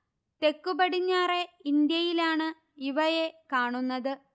തെക്കു പടിഞ്ഞാറെ ഇന്ത്യയിലാണ് ഇവയെ കാണുന്നത്